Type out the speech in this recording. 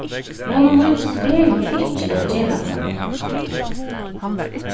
honum nýtist veruliga ikki at gera hatta